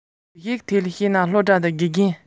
གལ སྲིད ཡོད ན ང རང མལ ས